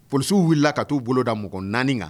Pw wulila ka' uu bolo da mɔgɔ naani kan